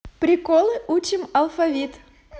приколы учим алфавит